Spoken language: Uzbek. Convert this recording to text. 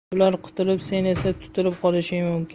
bular qutulib sen esa tutilib qolishing mumkin